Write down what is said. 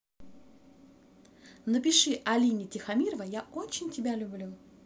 напиши алине тихомирова я очень тебя люблю